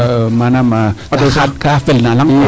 manaam ka xaaɗ kaa felna laŋ